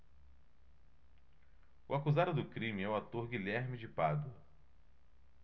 o acusado do crime é o ator guilherme de pádua